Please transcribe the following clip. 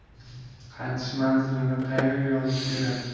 qaytish manzilini qayerga yozish kerak